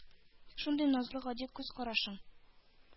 Шундый назлы, гади күз карашын